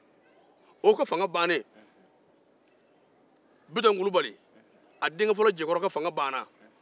o ka fanga bannen bitɔn kulubali denke fɔlɔ jekɔrɔ ka fanga banna